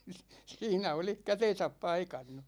siinä olisi kätensä paikannut